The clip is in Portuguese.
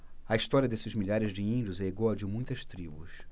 a história desses milhares de índios é igual à de muitas tribos